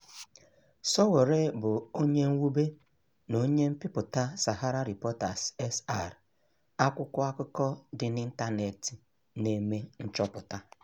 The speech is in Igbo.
Sowore bụ onye mwube na onye mbipụta SaharaReporters (SR), akwụkwọ akụkọ dị n'ịntaneetị na-eme nchọpụta.